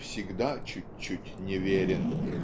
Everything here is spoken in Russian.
всегда чуть-чуть неверен".